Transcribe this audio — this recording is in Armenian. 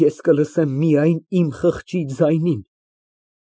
Ես կլսեմ միայն իմ խղճի ձայնին։